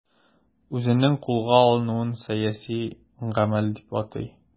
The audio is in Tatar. Үзенең кулга алынуын сәяси гамәл дип атый.